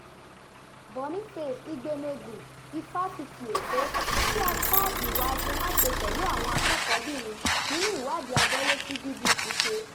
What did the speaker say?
Boniface Igbeneghu, Ifásitì Èkó, tí a ká ìwà àṣemáṣe pẹ̀lú àwọn akẹ́kọ̀ọ́bìrin nínú ìwádìí abẹ́lẹ̀ tí BBC ṣe.